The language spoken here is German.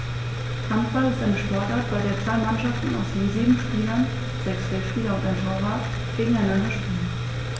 Handball ist eine Sportart, bei der zwei Mannschaften aus je sieben Spielern (sechs Feldspieler und ein Torwart) gegeneinander spielen.